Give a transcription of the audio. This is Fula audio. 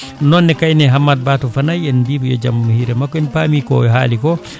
nonne kayne Hammat Ba to Fanayi en mbiɓe yo jaam hiire makko en paami ko haali ko